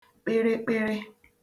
kpịrịkpịrị